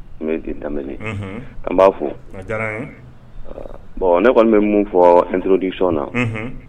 N di daminɛ an b'a fɔ bɔn ne kɔni bɛ mun fɔ ntrrodi sɔn na